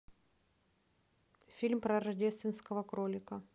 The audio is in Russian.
фильм про рождественского кролика